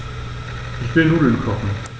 Ich will Nudeln kochen.